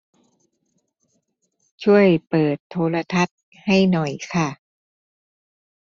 ช่วยเปิดโทรทัศน์ให้หน่อยค่ะ